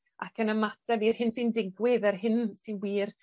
ac yn ymateb i'r hyn sy'n digwydd, yr hyn sy'n wir